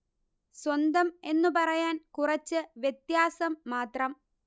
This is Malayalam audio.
സ്വന്തം എന്നു പറയാന് കുറച്ച് വ്യത്യാസം മാത്രം